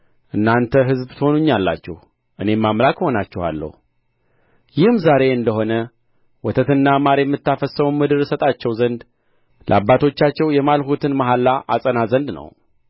እናንተ ሕዝብ ትሆኑኛላችሁ እኔም አምላክ እሆናችኋለሁ ይህም ዛሬ እንደ ሆነ ወተትና ማር የምታፈስሰውን ምድር እሰጣቸው ዘንድ ለአባቶቻችሁ የማልሁትን መሐላ አጸና ዘንድ ነው